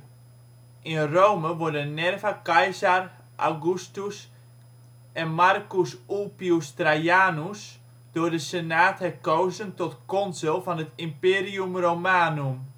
In Rome worden Nerva Caesar Augustus en Marcus Ulpius Trajanus, door de Senaat herkozen tot consul van het Imperium Romanum